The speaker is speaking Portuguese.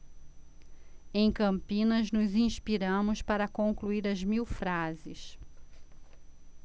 em campinas nos inspiramos para concluir as mil frases